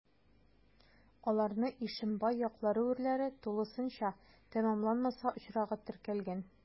Аларны Ишембай яклары урләре тулысынча тәмамланмаса очрагы теркәлгән.